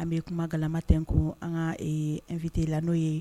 An bɛ kuma galama tɛnku an ka ɛɛ invité la n'o ye